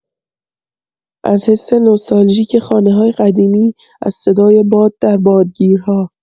از حس نوستالژیک خانه‌های قدیمی، از صدای باد در بادگیرها